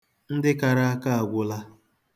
Ndị kara aka agwụla.